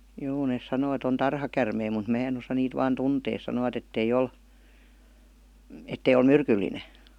joo ne sanoo että on tarhakäärmeitä mutta minä en osaa niitä vain tuntea sanovat että ei ole että ei ole myrkyllinen